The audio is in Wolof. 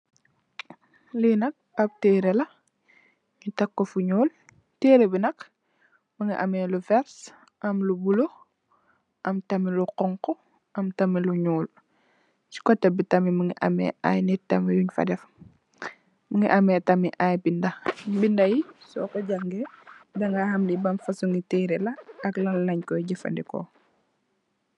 Li nak ap tere la nyu tek ko fu nuul tere bi nak mongi am lu vert am lu bulu am tamit lu xonxu am tamit lu nuul si kote bi tamit mongi ame ay nitt tamit nyung fa def mongi ame tamit ay binda bindai soko jange da nga xam li ban fosongi tere la ak lan len koi jefendeko.